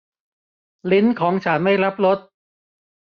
ลิ้นของฉันไม่รับรส